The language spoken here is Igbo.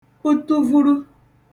utuvuru